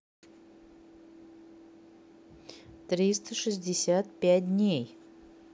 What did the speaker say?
триста шестьдесят пять дней